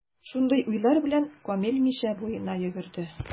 Шундый уйлар белән, Камил Мишә буена йөгерде.